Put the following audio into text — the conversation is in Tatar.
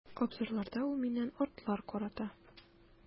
Абзарларда ул миннән атлар карата.